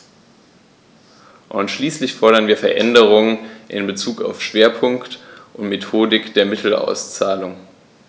Und schließlich fordern wir Veränderungen in bezug auf Schwerpunkt und Methodik der Mittelauszahlung.